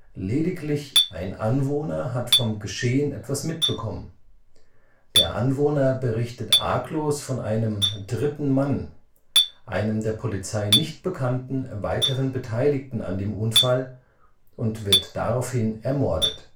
Lediglich ein Anwohner hat vom Geschehen etwas mitbekommen; der Anwohner berichtet arglos von einem „ dritten Mann “, einem der Polizei nicht bekannten weiteren Beteiligten an dem Unfall, und wird daraufhin ermordet